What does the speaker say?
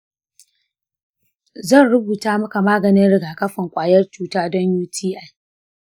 zan rubuta maka maganin rigakafin kwayar cuta don uti.